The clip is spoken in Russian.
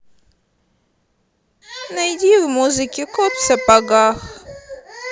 найди в музыке кот в сапогах